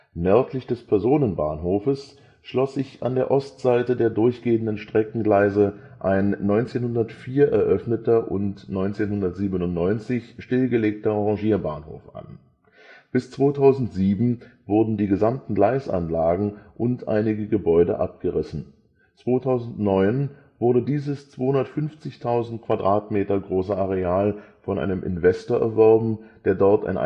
Nördlich des Personenbahnhofes schloss sich an der Ostseite der durchgehenden Streckengleise ein 1904 eröffneter und 1997 stillgelegter Rangierbahnhof an. Bis 2007 wurden die gesamten Gleisanlagen und einige Gebäude abgerissen. 2009 wurde dieses 250.000 m² große Areal von einem Investor erworben, der dort ein